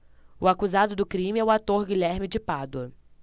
o acusado do crime é o ator guilherme de pádua